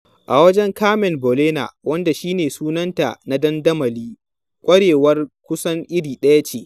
A wajen Carmen Bolena, wanda shi ne sunanta na dandamali, ƙwarewar kusan iri ɗaya ce.